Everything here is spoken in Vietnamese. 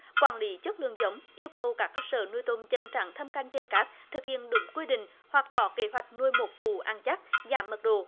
quản lý chất lượng giống yêu cầu các cơ sở nuôi tôm chân trắng thâm canh trên cát thực hiện đúng quy định hoặc có kế hoạch nuôi một vụ ăn chắc giảm mật độ